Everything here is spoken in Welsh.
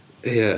Ia.